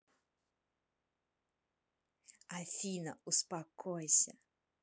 афина успокойся